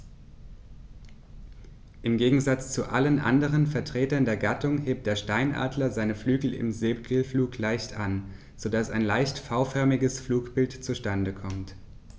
Im Gegensatz zu allen anderen Vertretern der Gattung hebt der Steinadler seine Flügel im Segelflug leicht an, so dass ein leicht V-förmiges Flugbild zustande kommt.